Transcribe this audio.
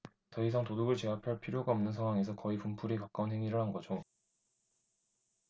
더 이상 도둑을 제압할 필요가 없는 상황에서 거의 분풀이에 가까운 행위를 한 거죠